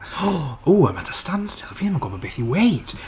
Ooh I'm at a stand still fi ddim yn gwybod beth i weud...